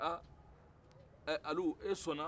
ah e alu e sɔnna